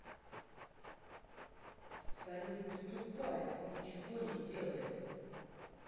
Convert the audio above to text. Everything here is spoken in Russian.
салют ты тупая ты ничего не делает